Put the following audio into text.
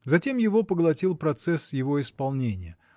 Затем его поглотил процесс его исполнения.